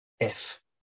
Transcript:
If.